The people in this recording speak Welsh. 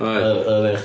Oedd... odd un chdi'n...